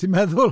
Ti'n meddwl?